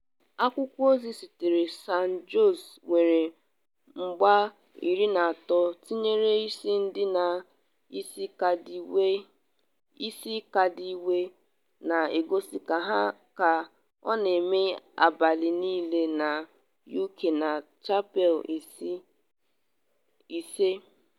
Akwụkwọ ozi sitere San Jose nwere mgba 13, tinyere isii dị na isi kaadị wee na-egosi ya ka ọ na-eme abalị niile na Uk na Channel 5.